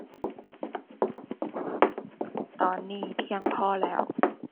ตอนนี้เพียงพอแล้ว